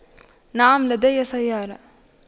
نعم لدي سيارة